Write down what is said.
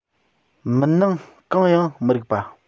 མུན ནང གང ཡང མི རིག པ